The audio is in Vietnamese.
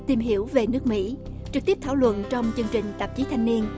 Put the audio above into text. tìm hiểu về nước mỹ trực tiếp thảo luận trong chương trình tạp chí thanh niên